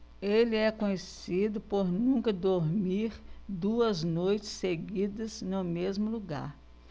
ele é conhecido por nunca dormir duas noites seguidas no mesmo lugar